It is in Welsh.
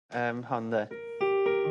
Yym hon 'de.